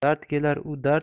dard kelar u dard